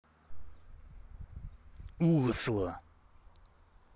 осло